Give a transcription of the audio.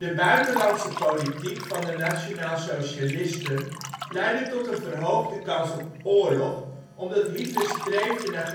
buitenlandse politiek van de nationaalsocialisten leidde tot een verhoogde kans op oorlog omdat Hitler streefde naar